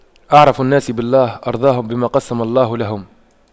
أعرف الناس بالله أرضاهم بما قسم الله له